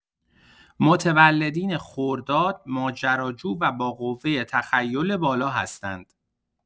متولدین خرداد ماجراجو و با قوه تخیل بالا هستند.